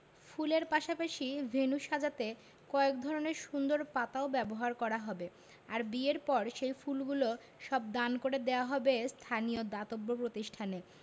ফুলের পাশাপাশি ভেন্যু সাজাতে কয়েক ধরনের সুন্দর পাতাও ব্যবহার করা হবে আর বিয়ের পর সেই ফুলগুলো সব দান করে দেওয়া হবে স্থানীয় দাতব্য প্রতিষ্ঠানে